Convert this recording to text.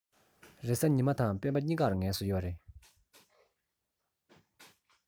རེས གཟའ ཉི མ དང སྤེན པ གཉིས ཀར ངལ གསོ ཡོད རེད